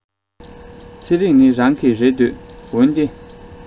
ཚེ རིང ནི རང གི རེ འདོད འོན ཏེ